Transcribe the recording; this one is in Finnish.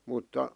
mutta